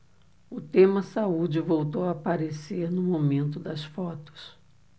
o tema saúde voltou a aparecer no momento das fotos